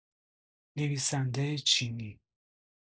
نویسنده چینی